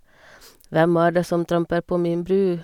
Hvem er det som tramper på min bru?